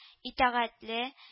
Итәгатьле